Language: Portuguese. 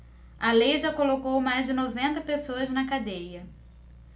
a lei já colocou mais de noventa pessoas na cadeia